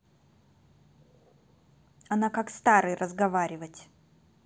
она как старый разговаривать